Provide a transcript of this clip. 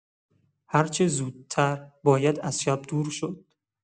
هرچه زودتر باید از شب دور شد.